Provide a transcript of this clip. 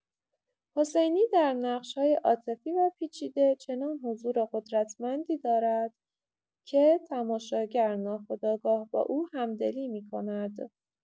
حسینی در نقش‌های عاطفی و پیچیده، چنان حضور قدرتمندی دارد که تماشاگر ناخودآگاه با او همدلی می‌کند.